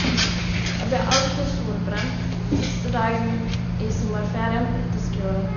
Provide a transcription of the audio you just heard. Jeg ble alltid solbrent første dagen i sommerferien etter skolen.